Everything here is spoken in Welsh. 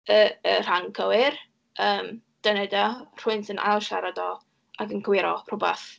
y y rhan cywir, yym, dyna dio, rhywun sy'n ail siarad o ac yn cywiro rhywbeth.